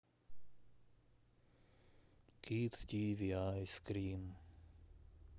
кид тиви айс крим